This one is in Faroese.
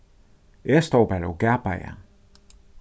eg stóð bara og gapaði